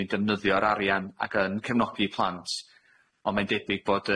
ni defnyddio'r arian ac yn cefnogi plant on' mae'n debyg bod